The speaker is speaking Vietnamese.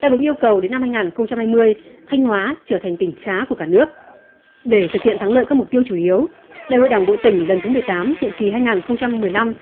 đáp ứng yêu cầu đến năm hai ngàn không trăm hai mươi thanh hóa trở thành tỉnh khá của cả nước để thực hiện thắng lợi các mục tiêu chủ yếu đại hội đảng bộ tỉnh lần thứ mười tám nhiệm kỳ hai ngàn không trăm mười lăm